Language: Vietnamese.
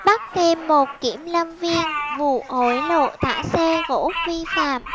bắt thêm một kiểm lâm viên vụ hối lộ thả xe gỗ vi phạm